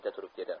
keta turib dedi